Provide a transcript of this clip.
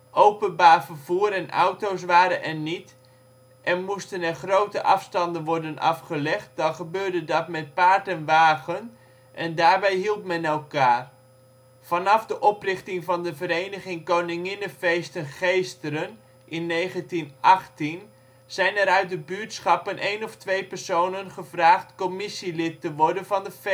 Openbaar vervoer en auto 's waren er niet en moesten er grotere afstanden worden afgelegd, dan gebeurde dat met paard en wagen en daarbij hielp men elkaar. Vanaf de oprichting van de Vereniging Koninginnefeesten Geesteren, in 1918 zijn uit de buurtschappen een of twee personen gevraagd commissielid te worden van de “feestcommissie”